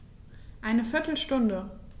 Eine viertel Stunde